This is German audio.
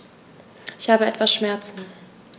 Ich habe etwas Schmerzen.